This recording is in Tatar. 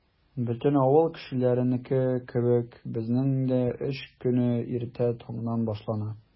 Бөтен авыл кешеләренеке кебек, безнең дә эш көне иртә таңнан башлана.